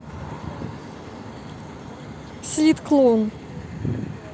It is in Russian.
slith клоун